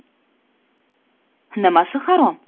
nimasi harom